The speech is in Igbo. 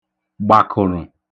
gbàkụ̀ṙụ̀